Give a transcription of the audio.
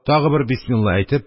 Тагы бер бисмилла әйтеп,